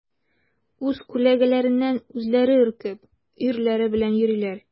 Үз күләгәләреннән үзләре өркеп, өерләре белән йөриләр.